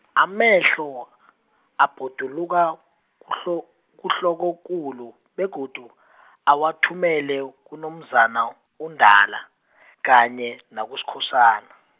amehlo , abhoduluka kuhlo-, kuhlokokulu begodu awathumele kuNomzana uNdala , kanye nakuSkhosana.